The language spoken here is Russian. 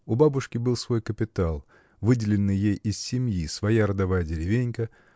У бабушки был свой капитал, выделенный ей из семьи, своя родовая деревенька